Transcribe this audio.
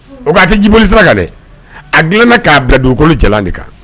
U k'a tɛ jibolisira kan dɛ, a dilanna k'a bila dugukolo jala de kan.